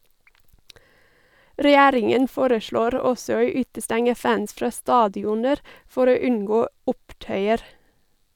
Regjeringen foreslår også å utestenge fans fra stadioner for å unngå opptøyer.